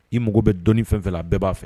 I mago bɛ dɔni fɛn fɛ a bɛɛ b'a fɛ